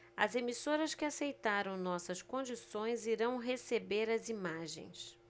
as emissoras que aceitaram nossas condições irão receber as imagens